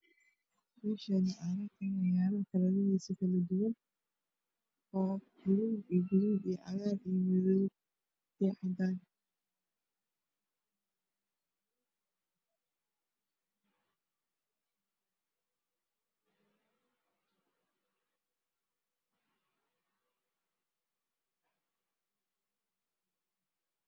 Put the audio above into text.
Meeshaan caagag ayaa yaalo kalarkiisu kala duwan gaduud, buluug, madow, cagaar iyo cadaan.